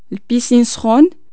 البيسين سخون